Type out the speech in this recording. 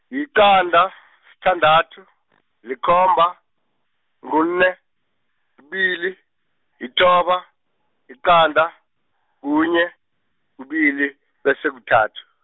yiqanda, sithandathu , likhomba, kune, kubili, yithoba, yiqanda, kunye, kubili, bese kuthathu.